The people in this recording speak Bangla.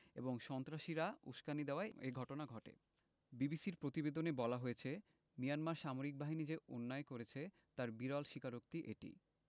এবং সন্ত্রাসীরা উসকানি দেওয়ায় এ ঘটনা ঘটে বিবিসির প্রতিবেদনে বলা হয়েছে মিয়ানমার সামরিক বাহিনী যে অন্যায় করেছে তার বিরল স্বীকারোক্তি এটি